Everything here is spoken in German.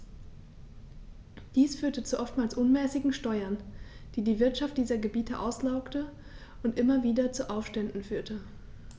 Dies führte zu oftmals unmäßigen Steuern, die die Wirtschaft dieser Gebiete auslaugte und immer wieder zu Aufständen führte.